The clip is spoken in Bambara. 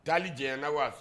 Taa jɛ na wa